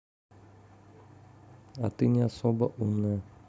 а ты не особо умная